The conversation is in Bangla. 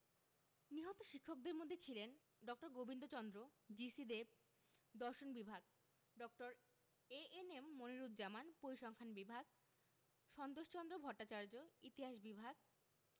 নিহত শিক্ষকদের মধ্যে ছিলেন ড. গোবিন্দচন্দ্র জি.সি দেব দর্শন বিভাগ ড. এ.এন.এম মনিরুজ্জামান পরিসংখান বিভাগ সন্তোষচন্দ্র ভট্টাচার্য ইতিহাস বিভাগ